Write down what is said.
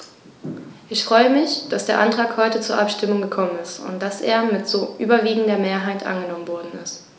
Ich freue mich, dass der Antrag heute zur Abstimmung gekommen ist und dass er mit so überwiegender Mehrheit angenommen worden ist.